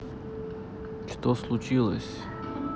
что случилось